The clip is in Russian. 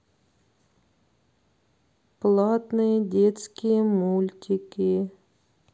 платные детские мультики